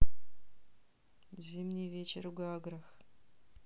зимний вечер в гаграх